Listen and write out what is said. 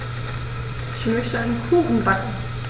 Ich möchte einen Kuchen backen.